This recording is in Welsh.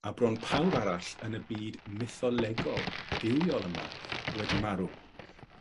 a bron pawb arall yn y byd mytholegol dywiol yma wedi marw.